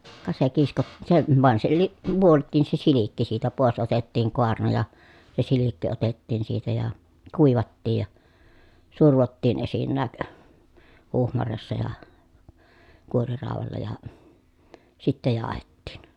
ka se - se vain se - vuoltiin se silkki siitä pois otettiin kaarna ja se silkki otettiin siitä ja kuivattiin ja survottiin esinnäkin huhmareessa ja kuoriraudalla ja sitten jauhettiin